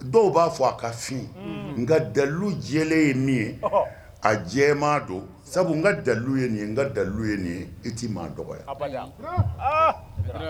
Dɔw b'a fɔ a kafin nka dalu jɛlen ye min ye a jɛma don sabu n ka dalu ye nin ye n ka dalu ye nin ye i t tɛi maa dɔgɔ